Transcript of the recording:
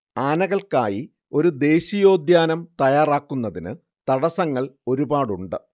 ആനകൾക്കായി ഒരു ദേശീയോദ്യാനം തയ്യാറാക്കുന്നതിന് തടസ്സങ്ങൾ ഒരുപാടുണ്ട്